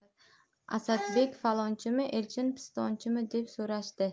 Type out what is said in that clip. asadbek falonchimi elchin pistonchimi deb so'rashdi